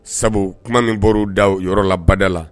Sabu kuma min bɔr'u da o yɔrɔ la bada la